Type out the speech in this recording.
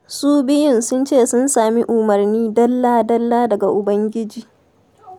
Su biyun sun ce sun sami umarni dalla-dalla daga ubangiji.